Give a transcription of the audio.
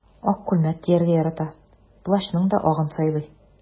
Ак күлмәк кияргә ярата, плащның да агын сайлый.